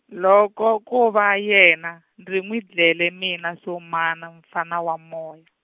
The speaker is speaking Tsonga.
loko ko va yena ndzi n'wi dlele mina Somaya mfana wa moya.